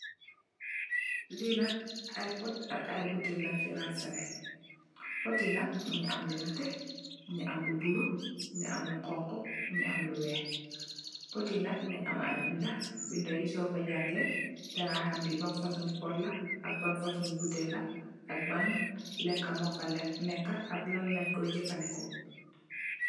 Li nak ay pot ak ay butèèl Len fi ranseleh, pot yi nak mugii am lu netteh, mugii am lu bula, mugii am lu xonxu, mugii am lu wèèx. Pot yi nak mugii am ay bindé bindé yi so ko jangèè di xam li ban fasungi pot la ak ban fasungi butèèl la ak ban lekka mo fa nekka ak lañ koy jafandiko.